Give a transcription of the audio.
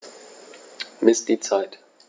Miss die Zeit.